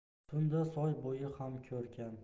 tunda soy boyi ham ko'rkam